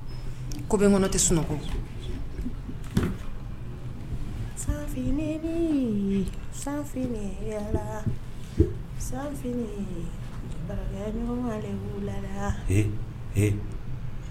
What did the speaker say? -Kobɛkɔnɔ tɛ sunɔgɔ. San finni ni, san finni e Ala san finni baarakɛ ɲuman de u la la